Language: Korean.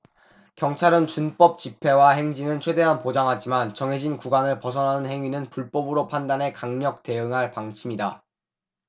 경찰은 준법 집회와 행진은 최대한 보장하지만 정해진 구간을 벗어나는 행위는 불법으로 판단해 강력 대응할 방침이다